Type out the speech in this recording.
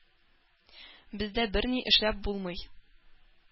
Бездә берни эшләп булмый.